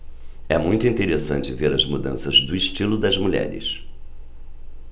é muito interessante ver as mudanças do estilo das mulheres